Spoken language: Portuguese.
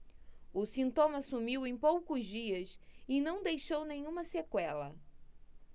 o sintoma sumiu em poucos dias e não deixou nenhuma sequela